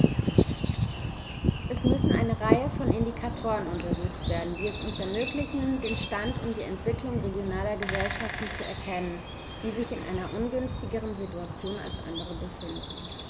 Es müssen eine Reihe von Indikatoren untersucht werden, die es uns ermöglichen, den Stand und die Entwicklung regionaler Gesellschaften zu erkennen, die sich in einer ungünstigeren Situation als andere befinden.